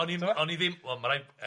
O'n i'n o'n i ddim wel ma' raid yy.